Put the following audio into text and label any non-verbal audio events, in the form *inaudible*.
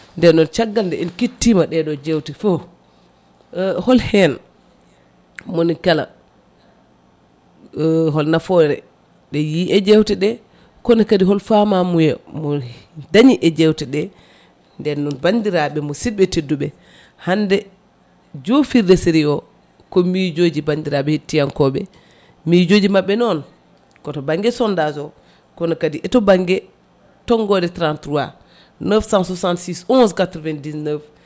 nden noon cggal nde en kettima ɗeɗo jewte foof *hesitation* hol hen monikala *hesitation* hol nafoore nde yii e jewteɗe kono kadi hol famamuya mo dañi e jewteɗe nden noon bandiraɓe musidɓe tedduɓe hande jufirde série ko mijoji bandiraɓe hettiyankoɓe mijoji maɓɓe noon koto banggue sondage o kono kadi eto banggue tonggode 33 966 11 99